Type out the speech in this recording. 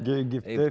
ge egypter.